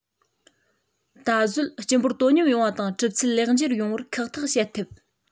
ད གཟོད སྤྱི འབོར དོ མཉམ ཡོང བ དང གྲུབ ཚུལ ལེགས འགྱུར ཡོང བར ཁག ཐེག བྱེད ཐུབ